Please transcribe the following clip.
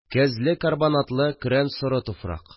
Кәзле-карбонатлы көрән-соры туфрак